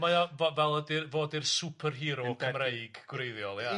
Mae o fo- fel ydi'r fo 'di'r superhero Gymreig gwreiddiol ia.